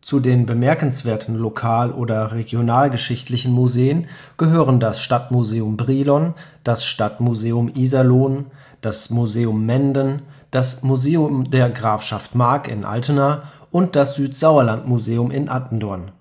Zu den bemerkenswerten lokal - oder regionalgeschichtlichen Museen gehören das Stadtmuseum Brilon, das Stadtmuseum Iserlohn, das Museum Menden, das Museum der Grafschaft Mark in Altena und das Südsauerlandmuseum in Attendorn.